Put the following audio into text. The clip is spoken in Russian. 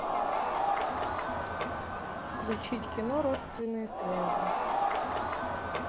включить кино родственные связи